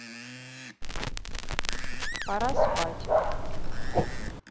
пора спать